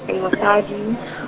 e mosadi.